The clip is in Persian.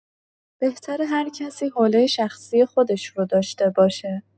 بهتره هرکسی حوله شخصی خودش رو داشته باشه.